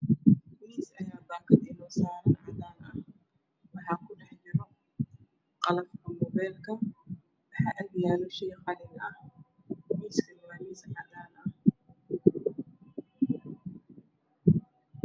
Miis ayaa baakad inoo saaran cadaan ah waxaa ku dhex jira qolofka moobeelka waxaa ag yaala shay qalin ah miiskana waa miis cadaan ah.